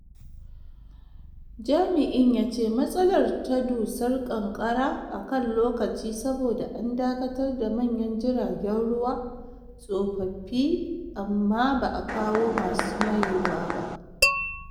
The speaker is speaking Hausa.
Jami'in ya ce matsalar ta dusar ƙanƙara a kan lokaci, saboda an dakatar da manyan jiragen ruwa tsofaffi amma ba a kawo masu mayewa ba.